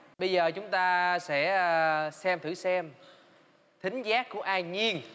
bây giờ chúng ta sẽ xem thử xem thính giác của an nhiên